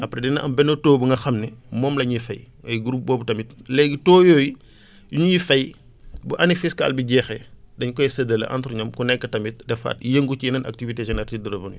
après dina am benn taux bu nga xam ne moom la ñuy fay ay groupe boobu tamit léegi taux yooyu li ñuy fay bu année fiscale bi jeexee dañ koy séddale entre ñoom ku nekk tamit defaat yëngu ci yeneen activités génératrices de revenues